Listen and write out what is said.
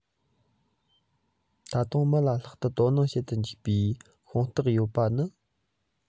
ད དུང མི ལ ལྷག ཏུ དོ སྣང བྱེད དུ འཇུག པའི དཔང རྟགས ཡོད པ ནི